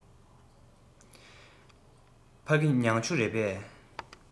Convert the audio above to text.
ཕ གི མྱང ཆུ རེད པས